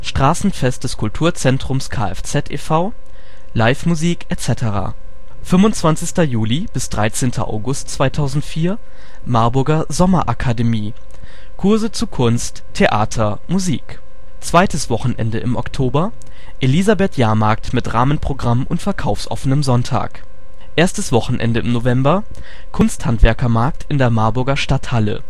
Straßenfest des Kulturzentrums kfz e.V. (Live-Musik...) 25. Juli - 13. August 2004 Marburger Sommerakademie (Kurse zu Kunst, Theater, Musik) zweites Wochenende im Oktober: Elisabeth-Jahrmarkt mit Rahmenprogramm und verkaufsoffenem Sonntag erstes Wochenende im November: Kunsthandwerkermarkt in der Marburger Stadthalle